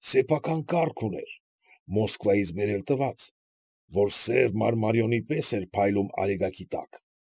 Սեփական կառք ուներ, Մոսկվայից բերել տված, որ սև մարմարիոնի պես էր փայլում արեգակի տակ։